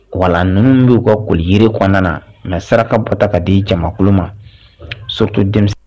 Wala ninnu b'u ka koli yiri kɔnɔna na nka saraka bɔta ka di jamakulu ma sotu denmisɛnnin